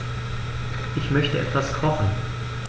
Ich möchte etwas kochen.